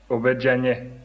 o bɛ diya n ye